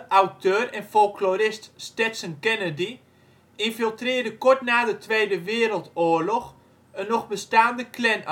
auteur en folklorist Stetson Kennedy infiltreerde kort na de Tweede Wereldoorlog een nog bestaande Klanafdeling